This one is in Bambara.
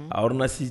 A ordonnance